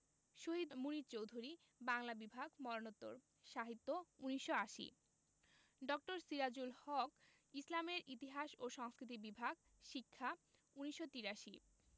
শহীদ মুনীর চৌধুরী বাংলা বিভাগ মরণোত্তর সাহিত্য ১৯৮০ ড. সিরাজুল হক ইসলামের ইতিহাস ও সংস্কৃতি বিভাগ শিক্ষা ১৯৮৩